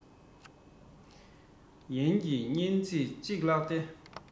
ཡན གྱི སྙན ཚིག ཅིག ལགས ཏེ